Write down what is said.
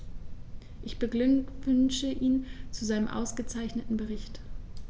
Ich beglückwünsche ihn zu seinem ausgezeichneten Bericht.